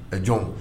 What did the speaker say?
Ɛ jɔn